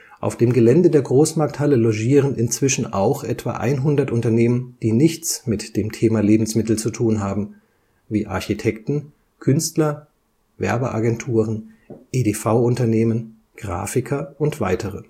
Auf dem Gelände der Großmarkthalle logieren inzwischen auch etwa 100 Unternehmen, die nichts mit dem Thema Lebensmittel zu tun haben, wie Architekten, Künstler, Werbeagenturen, EDV-Unternehmen, Grafiker und weitere